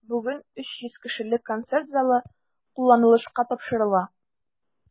Бүген 300 кешелек концерт залы кулланылышка тапшырыла.